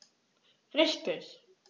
Richtig